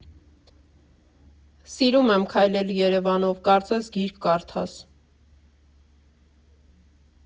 Սիրում եմ քայլել Երևանով, կարծես գիրք կարդաս։